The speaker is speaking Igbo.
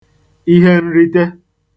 ihenrite